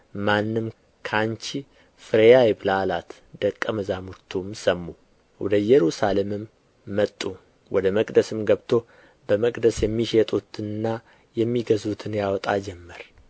ማንም ከአንቺ ፍሬ አይብላ አላት ደቀ መዛሙርቱም ሰሙ ወደ ኢየሩሳሌምም መጡ ወደ መቅደስም ገብቶ በመቅደስ የሚሸጡትንና የሚገዙትን ያወጣ ጀመር